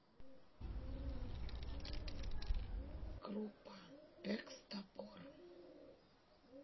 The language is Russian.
группа экс топор